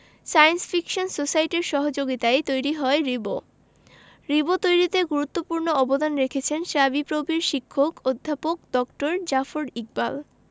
science fiction সোসাইটির সহযোগিতায়ই তৈরি হয় রিবো রিবো তৈরিতে গুরুত্বপূর্ণ অবদান রেখেছেন শাবিপ্রবির শিক্ষক অধ্যাপক ড জাফর ইকবাল